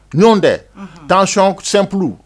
Ɲɔ tɛ tancɔnsenplu